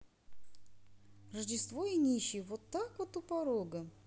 рождество и нищий вот так вот у порога